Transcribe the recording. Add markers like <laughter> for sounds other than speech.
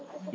<hesitation>